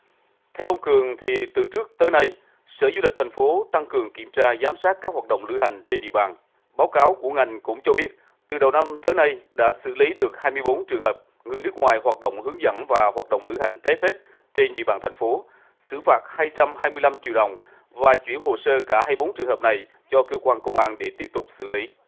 theo ông cường thì từ trước tới nay sở du lịch thành phố tăng cường kiểm tra giám sát các hoạt động lữ hành trên địa bàn báo cáo của ngành cũng cho biết từ đầu năm tới nay đã xử lý được hai mươi bốn trường hợp người nước ngoài hoạt động hướng dẫn và hoạt động lữ hành trái phép trên địa bàn thành phố xử phạt hai trăm hai mươi lăm triệu đồng và chuyển hồ sơ cả hai bốn trường hợp này cho cơ quan công an để tiếp tục xử lý